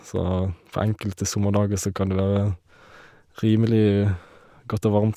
Så på enkelte sommerdager så kan det være rimelig godt og varmt.